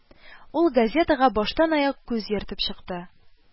Ул газетага баштанаяк күз йөртеп чыкты